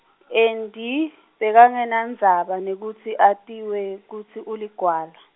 angiboni kutsi, bungehla n-, nasingalala, singakayi, kaMhlohlo.